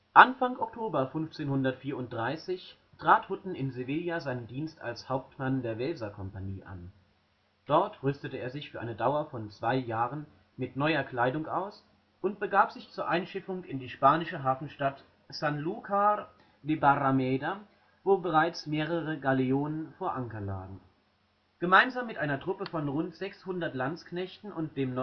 Anfang Oktober 1534 trat Hutten in Sevilla seinen Dienst als Hauptmann der Welser-Kompanie an. Dort rüstete er sich für eine Dauer von zwei Jahre mit neuer Kleidung aus und begab sich zur Einschiffung in die spanischen Hafenstadt Sanlúcar de Barrameda, wo bereits mehrere Galeonen vor Anker lagen. Gemeinsam mit einer Truppe von rund 600 Landsknechten und dem